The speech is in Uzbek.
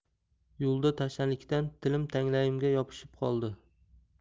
yo'lda tashnalikdan tilim tanglayimga yopishib qoldi